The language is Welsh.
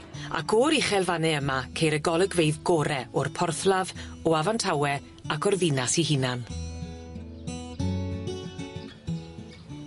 ac o'r uchelfanne yma ceir y golygfeydd gore o'r porthladd o afon Tawe, ac o'r ddinas 'i hunan.